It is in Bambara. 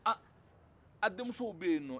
ah a' denmusow bɛ yen